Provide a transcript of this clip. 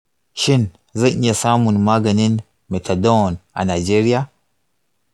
shin zan iya samun maganin methadone a najeriya?